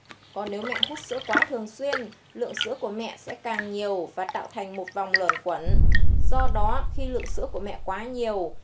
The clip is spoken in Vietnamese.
còn nếu mẹ hút sữa ra quá thường xuyên lượng sữa của mẹ sẽ càng nhiều và tạo thành một vòng luẩn quẩn do đó khi lượng sữa của mẹ quá nhiều